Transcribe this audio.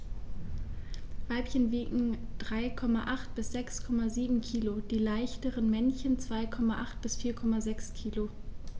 Weibchen wiegen 3,8 bis 6,7 kg, die leichteren Männchen 2,8 bis 4,6 kg.